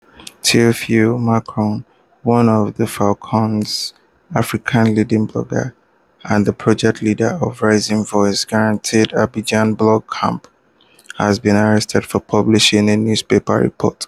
Théophile Kouamouo, one of Francophone Africa's leading bloggers, and the project leader of the Rising Voices grantee Abidjan Blog Camps has been arrested for publishing a newspaper report.